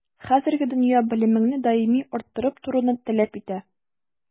Хәзерге дөнья белемеңне даими арттырып торуны таләп итә.